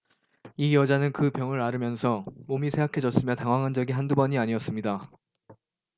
이 여자는 그 병을 앓으면서 몸이 쇠약해졌으며 당황한 적이 한두 번이 아니었습니다